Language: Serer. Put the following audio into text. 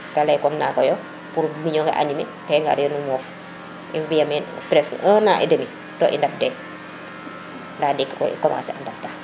te ley comme naga yo pour mbiño nge animé ngar yo nu moof i mbiya meen presque 1 ans et demi to i ndab de nda diki koy i commencer a ndaɓ da